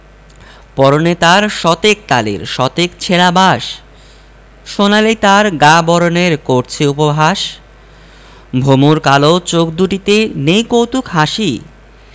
পরনে তার শতেক তালির শতেক ছেঁড়া বাস সোনালি তার গা বরণের করছে উপহাস ভমর কালো চোখ দুটিতে নেই কৌতুক হাসি